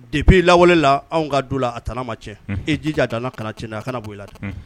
Depuis laawale la, anw ka du la a tana ma cɛn, unhun, i jija a kana tiɲɛn , a kana bɔ i la dɛ! Unhun.